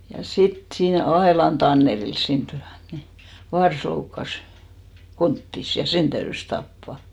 ja sitten siinä Ailan Tannerilla siinä tykönä niin varsa loukkasi konttinsa ja sen täytyi tappaa